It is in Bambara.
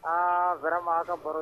Aa wɛrɛ ma ka baro